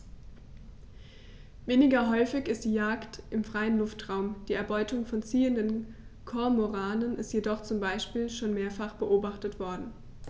Weniger häufig ist die Jagd im freien Luftraum; die Erbeutung von ziehenden Kormoranen ist jedoch zum Beispiel schon mehrfach beobachtet worden.